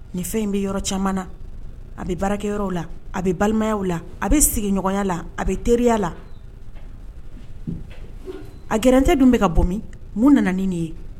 Ni fɛn in bɛ yɔrɔ caman na a bɛ baarakɛyɔrɔw la a bɛ balimaw la a bɛ sigiɲɔgɔnya la a bɛ teriya la a gte dun bɛka ka bɔ min mun nana ni nin ye